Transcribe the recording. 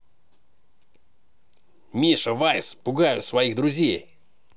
миша вайс пугаю своих друзей